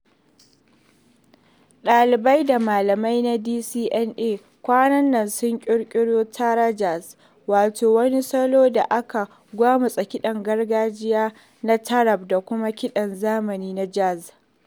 ɗalibai da malaman na DCMA kwanan nan sun ƙirƙiro "TaraJazz", wato wani salo da aka gwamutsa kiɗan gargajiya na taarab da kuma kiɗan zamani na jazz.